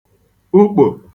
ukpò